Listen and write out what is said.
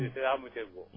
dinaa xam **